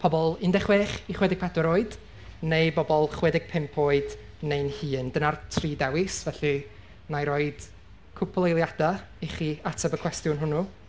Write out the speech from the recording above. Pobol un deg chwech i chwe deg pedwar oed? Neu bobl chwe deg pump oed neu'n hyn? Dyna'r tri dewis. Felly, wna i roi cwpwl o eiliadau i chi ateb y cwestiwn hwnnw.